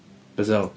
Be ti feddwl?